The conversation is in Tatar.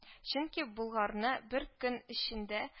Чөнки Болгарны бер көн эчендә